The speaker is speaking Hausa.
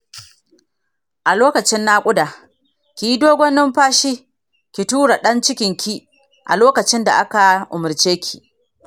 a lokacin naƙuda kiyi dogon numfashi ki tura dan cikin ki a lokacin da aka umurceki.